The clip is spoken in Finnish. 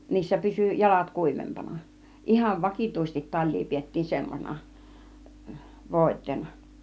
niissä pysyi jalat kuivempana ihan vakituisesti talia pidettiin semmoisena voiteena